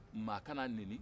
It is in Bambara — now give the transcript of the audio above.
maa kan'a nenni